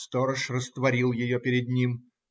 Сторож растворил ее перед ним